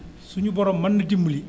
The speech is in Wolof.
suénu borom mën na dimbali